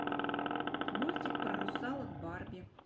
мультик про русалок барби